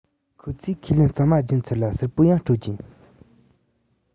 ཁོ ཚོས ཁས ལེན ཚང མ སྦྱིན ཚར ལ གསལ པོ ཡང སྤྲོད རྒྱུ